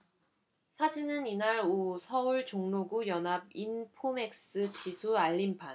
사진은 이날 오후 서울 종로구 연합인포맥스 지수 알림판